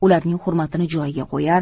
ularning hurmatini joyiga qo'yar